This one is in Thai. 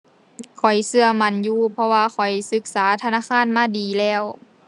ข้อยเชื่อมั่นอยู่ เพราะว่าข้อยศึกษาธนาคารมาดีแล้ว